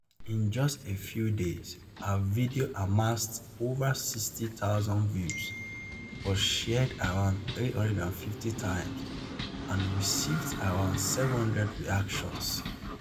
In just a few days, her video amassed over 60 thousand views, was shared around 350 times and received around 700 reactions.